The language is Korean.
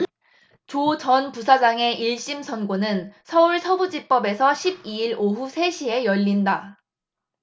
조 전 부사장의 일 심 선고는 서울서부지법에서 십 이 일 오후 세 시에 열린다